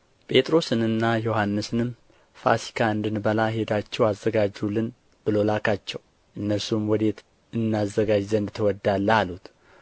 ጴጥሮስንና ዮሐንስንም ፋሲካን እንድንበላ ሄዳችሁ አዘጋጁልን ብሎ ላካቸው እነርሱም ወዴት እናዘጋጅ ዘንድ ትወዳለህ አሉት